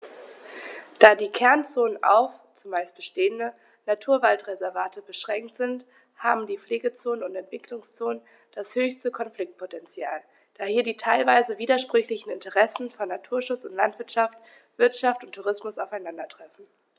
Da die Kernzonen auf – zumeist bestehende – Naturwaldreservate beschränkt sind, haben die Pflegezonen und Entwicklungszonen das höchste Konfliktpotential, da hier die teilweise widersprüchlichen Interessen von Naturschutz und Landwirtschaft, Wirtschaft und Tourismus aufeinandertreffen.